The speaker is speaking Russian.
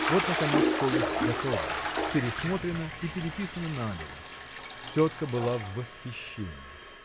Вот наконец повесть готова, пересмотрена и переписана набело. Тетка была в восхищении.